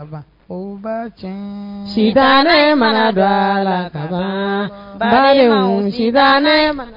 O b'a tiɲɛn, sitanɛ mana don a laa, n balimaw sitanɛ mana don a laa, o b'a tiɲɛn